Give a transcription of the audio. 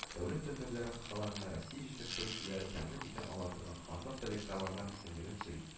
Дәүләт тендерлары кысаларында россия җитештерүчеләре тәкъдим итә ала торган азык-төлек товарлары исемлеген төзел